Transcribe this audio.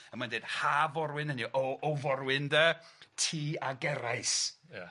a mae'n deud, ha, Forwyn, hynny yw, o, o, forwyn de, ti a gerais. Ia.